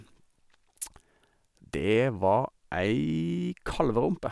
Det var ei kalverumpe.